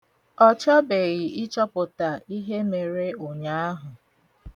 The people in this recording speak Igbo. Ọ chọbeghị ịchọpụta ihe mere ụnyaahụ.